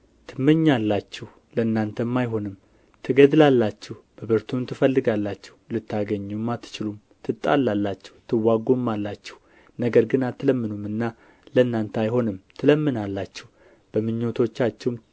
ትመኛላችሁ ለእናንተም አይሆንም ትገድላላችሁ በብርቱም ትፈልጋላችሁ ልታገኙም አትችሉም ትጣላላችሁ ትዋጉማላችሁ ነገር ግን አትለምኑምና ለእናንተ አይሆንም ትለምናላችሁ በምቾቶቻችሁም